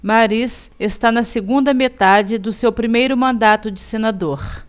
mariz está na segunda metade do seu primeiro mandato de senador